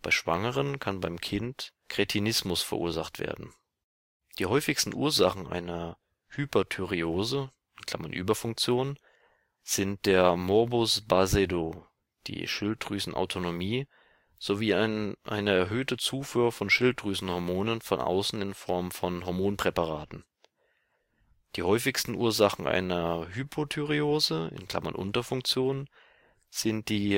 Schwangeren kann beim Kind Kretinismus verursacht werden. Die häufigsten Ursachen einer Hyperthyreose (Überfunktion) sind der Morbus Basedow, die Schilddrüsenautonomie sowie eine erhöhte Zufuhr von Schilddrüsenhormonen von außen in Form von Hormonpräparaten. Die häufigsten Ursachen einer Hypothyreose (Unterfunktion) sind die